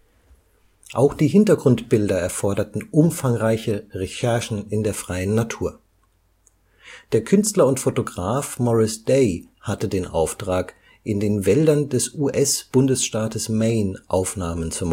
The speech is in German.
Auch die Hintergrundbilder erforderten umfangreiche Recherchen in der freien Natur. Der Künstler und Fotograf Maurice Day hatte den Auftrag, in den Wäldern des US-Bundesstaates Maine Aufnahmen zu